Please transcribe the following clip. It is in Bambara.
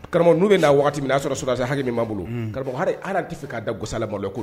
Karamɔgɔ n'u bɛ'a waati min a'a sɔrɔrasa ha min b' bolo karamɔgɔ hali ar tɛ fɛ k' da gansalabalɔ ko